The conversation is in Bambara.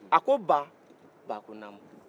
a ko ba ba ko naamu